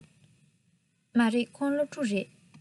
མ རེད ཁོང སློབ ཕྲུག རེད